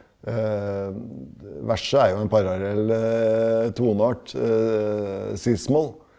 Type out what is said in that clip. verset er jo en parallell toneart ciss-moll.